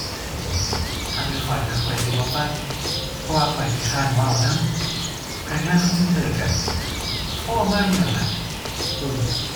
ถ้าเป็นข้อยนะข้อยสิบ่ฟัง เพราะว่าข้อยขี้คร้านเว้านำ พนักงาน call center ก็โทรมาอยู่นั่นล่ะ เอ้อ